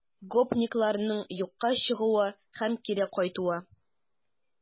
Гопникларның юкка чыгуы һәм кире кайтуы